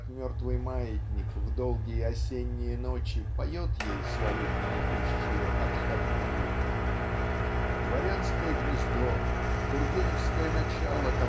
как мертвый маятник в долгие осенние ночи поет ей свою гнетущую отходную. Дворянское гнездо тургеневское начало